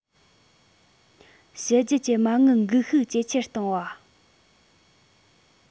ཕྱི རྒྱལ གྱི མ དངུལ འགུགས ཤུགས ཇེ ཆེར གཏོང བ